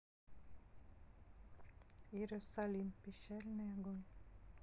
иерусалим пищальный огонь